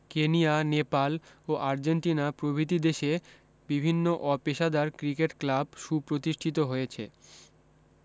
Kenya Nepal ও Argentina প্রভৃতি দেশে বিভিন্ন অপেশাদার ক্রিকেট ক্লাব সুপ্রতিষ্ঠিত হয়েছে